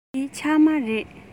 འདི ཕྱགས མ རེད